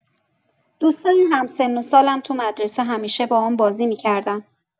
دوستای هم‌سن‌وسالم توی مدرسه همیشه باهام بازی می‌کردن.